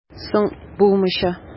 Соң, булмыйча!